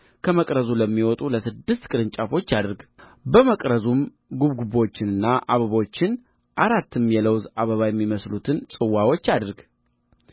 ከመቅረዙ ለሚወጡ ለስድስቱ ቅርንጫፎች አድርግ በመቅረዙም ጕብጕቦቹንና አበቦቹን አራትም የለውዝ አበባ የሚመስሉትን ጽዋዎች አድርግ